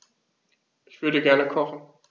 Ich würde gerne kochen.